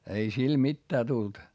ei sille mitään tullut